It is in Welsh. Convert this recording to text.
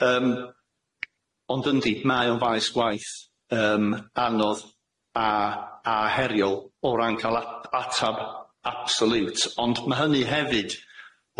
Yym ond yndi mae o'n faes gwaith yym anodd a a heriol o ran ca'l a- atab absolute ond ma' hynny hefyd